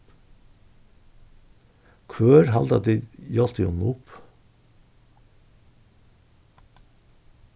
hvør halda tit hjálpti honum upp